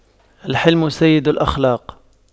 الحِلْمُ سيد الأخلاق